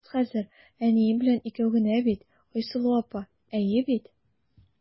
Без хәзер әнием белән икәү генә бит, Айсылу апа, әйе бит?